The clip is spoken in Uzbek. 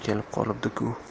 kelib qolibdi ku